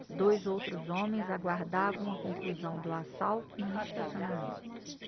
dois outros homens aguardavam a conclusão do assalto no estacionamento